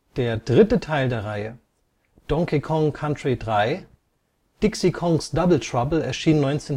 Der dritte Teil der Reihe, Donkey Kong Country 3: Dixie Kong 's Double Trouble erschien 1996